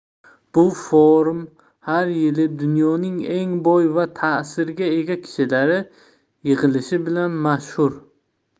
bu forum har yili dunyoning eng boy va ta'sirga ega kishilari yig'ilishi bilan mashhur